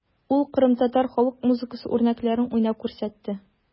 Ул кырымтатар халык музыкасы үрнәкләрен уйнап күрсәтте.